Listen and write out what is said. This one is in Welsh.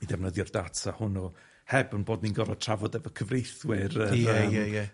i defnyddio'r data hwnnw, heb 'yn bod ni'n gorfo trafod efo cyfreithwyr yr yym... Ie, ie, ie.